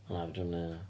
Na, fedra i'm wneud hwnna.